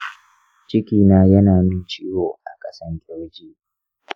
cikina yana min ciwo a ƙasan ƙirji.